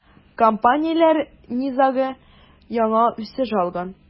Компанияләр низагы яңа үсеш алган.